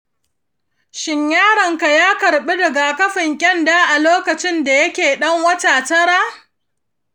shin yaronka ya karɓi rigakafin ƙyanda a lokacin da yake ɗan wata tara?